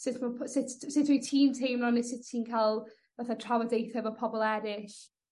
sut ma' po- sut sut wyt ti'n teimlo neu sut ti'n ca'l fatha trafodaethe efo pobol eryll?